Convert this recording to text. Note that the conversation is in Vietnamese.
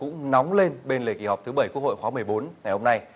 cũng nóng lên bên lề kỳ họp thứ bảy quốc hội khóa mười bốn ngày hôm nay